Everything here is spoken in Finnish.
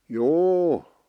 juu